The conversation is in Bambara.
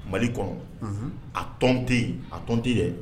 Mali kɔnɔ a tɔn tɛ ye a tɔn tɛ ye dɛ